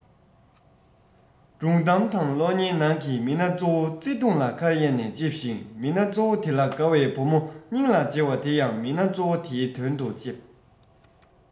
སྒྲུང གཏམ དང གློག བརྙན ནང གི མི སྣ གཙོ བོ བརྩེ དུང ལ ཁ གཡར ནས ལྕེབས ཤིང མི སྣ གཙོ བ དེ ལ དགའ བའི བུ མོ སྙིང ལ རྗེ བོ དེ ཡང མི སྣ གཙོ བོ དེའི དོན དུ ལྕེབས